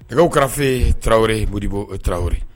Daga karafe taraweleo bolibo taraweleri